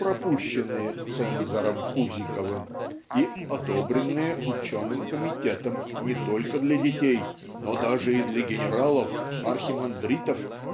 пропущенные "цензором Пузиковым" и "одобренные ученым комитетом не только для детей но даже и для генералов архимандритов